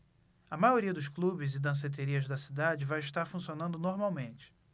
a maioria dos clubes e danceterias da cidade vai estar funcionando normalmente